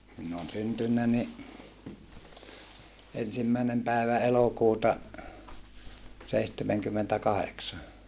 minä olen syntynyt niin ensimmäinen päivä elokuuta seitsemänkymmentäkahdeksan